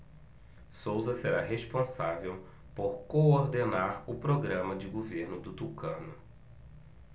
souza será responsável por coordenar o programa de governo do tucano